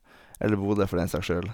Eller Bodø for den saks skyld.